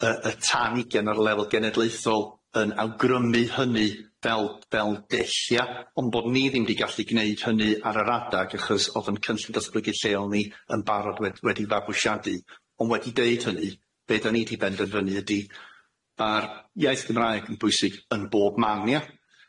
y y tan ugian ar lefel genedlaethol yn awgrymu hynny fel fel dellia ond bod ni ddim di gallu gneud hynny ar yr adag achos odd yn cynllun datblygu lleol ni yn barod wed- wedi fabwysiadu ond wedi deud hynny be' dan ni di benderfynu ydi ma'r iaith Gymraeg yn bwysig yn bob man ia?